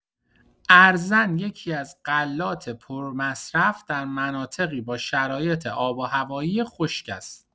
ارزن یکی‌از غلات پرمصرف در مناطقی با شرایط آب‌وهوایی خشک است.